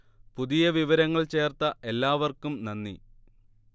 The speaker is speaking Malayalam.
പുതിയ വിവരങ്ങൾ ചേർത്ത എല്ലാവർക്കും നന്ദി